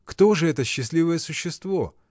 Кто же это счастливое существо?